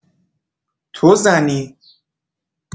تو زنی.